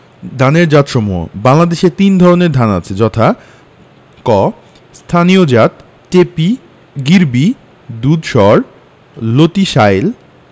ধানের জাতসমূহঃ বাংলাদেশে তিন প্রকারের ধান আছে যথাঃ ক স্থানীয় জাতঃ টেপি গিরবি দুধসর লতিশাইল